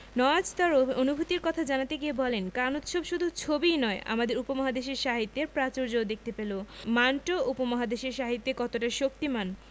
নওয়াজ তার অনুভূতির কথা জানাতে গিয়ে বলেন কান উৎসব শুধু ছবিই নয় আমাদের উপমহাদেশের সাহিত্যের প্রাচুর্যও দেখতে পেল মান্টো উপমহাদেশের সাহিত্যে কতটা শক্তিমান